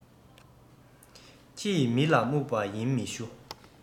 ཁྱི ཡིས མི ལ རྨྱུག པ ཡིན མི ཞུ